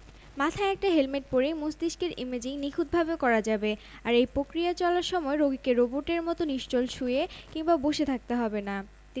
অনেকের এসব যন্ত্রপাতি দেখেই হার্টবিট বেড়ে যায় এছাড়া পরীক্ষার সময় একদম অনড় হয়ে থাকতে হয় সামান্য